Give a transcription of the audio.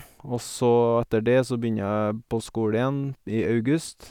Og så etter det så begynner jeg på skole igjen, i august.